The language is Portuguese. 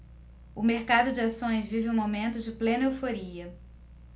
o mercado de ações vive momentos de plena euforia